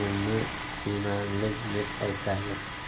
bu taxminini be'manilik deb atadi